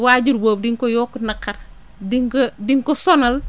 waajur boobu di nga ko yokk naqar di nga ko di nga ko sonal